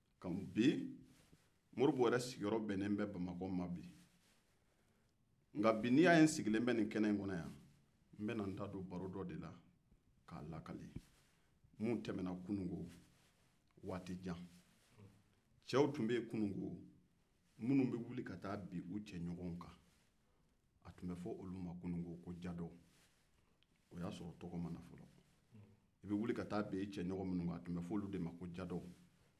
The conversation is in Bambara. moribo yɛrɛ sigiyɔrɔ bɛnnen bɛ bamakɔ ma bi n'i y'a ye n sigilen don kɛnɛ in ka bi n bɛna n da don baro dɔ de min tɛmɛna kunungo k'a lakale cɛw tun bɛ yen kunungo minnu bɛ wuli ka taa bin u cɛɲɔgɔn kan n a tun bɛ fɔ olu ma kunungo ko jadɔw o y'a sɔrɔ u tɔgɔ ma na fɔlɔ ubɛ wuli ka taa bin cɛɲɔgɔn minnu kan a tun bɛ fɔ olu de ma ko jadɔw